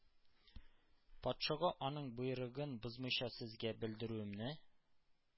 Патшага аның боерыгын бозмыйча сезгә белдерүемне